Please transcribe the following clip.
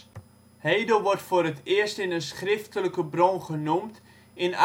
Hedel wordt voor het eerst in een schriftelijke bron genoemd in